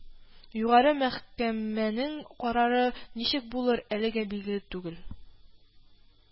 Югары мәх кәмәнең карары ничек булыр, әлегә билгеле түгел